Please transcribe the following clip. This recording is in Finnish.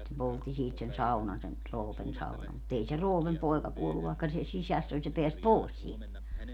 ja sitten poltti siitä sen saunan sen Roopen saunan mutta ei se Roopen poika kuollut vaikka se sisässä oli se pääsi pois sieltä